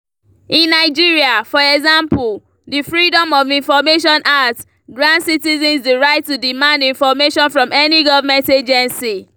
In Nigeria, for example, the Freedom of Information Act grants citizens the right to demand information from any government agency.